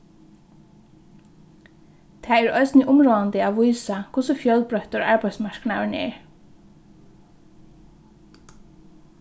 tað er eisini umráðandi at vísa hvussu fjølbroyttur arbeiðsmarknaðurin er